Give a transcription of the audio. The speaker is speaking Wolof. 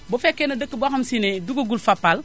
bu fekkee ne dëkk boo xam si ne duggagul Fapal